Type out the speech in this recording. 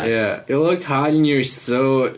Ie you looked hot in your suit.